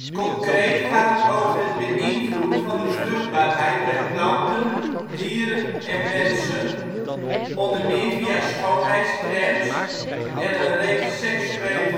Concreet gaat het over het beïnvloeden van de vruchtbaarheid bij planten, dieren en mensen (onder meer via schoonheidscrèmes en een reeks seksuele